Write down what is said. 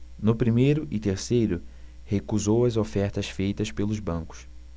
no primeiro e terceiro recusou as ofertas feitas pelos bancos